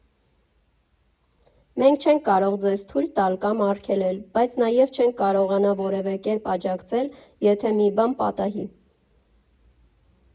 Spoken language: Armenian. Մենք չենք կարող ձեզ թույլ տալ կամ արգելել, բայց նաև չենք կարողանա որևէ կերպ աջակցել, եթե մի բան պատահի։